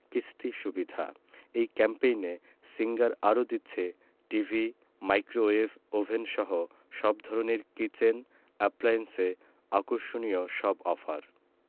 কিস্তি সুবিধা এই ক্যাম্পেইনে সিঙ্গার আরো দিচ্ছে টিভি মাইক্রোওয়েভ ওভেনসহ সব ধরনের কিচেন অ্যাপ্লায়েন্সে আকর্ষণীয় সব অফার